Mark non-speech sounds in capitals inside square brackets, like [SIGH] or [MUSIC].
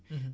[HESITATION] [HESITATION]